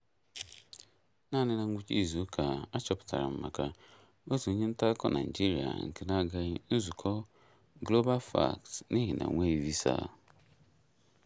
Naanị na ngwụcha izuụka a, a chọpụtara m maka otu onye ntaakụkọ Naịjirịa nke n'agaghị nzụkọ GlobalFact n'ihi na o nweghị visa.